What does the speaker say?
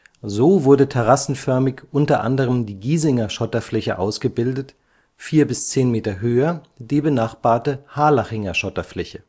So wurde terrassenförmig unter anderem die Giesinger Schotterfläche ausgebildet, vier bis zehn Meter höher die benachbarte Harlachinger Schotterfläche